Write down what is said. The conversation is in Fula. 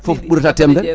foof ɓuurata temedere